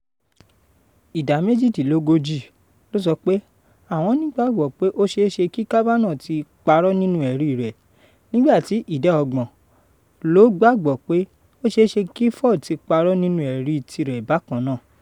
Ìdá méjìdínlógójì ló sọ pé àwọn ní ìgbàgbọ́ pé ó ṣeéṣe kí Kavanaugh ti parọ́ nínú ẹ̀rí rẹ̀ nígbà tí ìdá ọgbọ̀n ló gbàgbọ́ pé ó ṣeéṣe kí Ford ti parọ́ nínú ẹ̀rí tirẹ̀ bákan náà.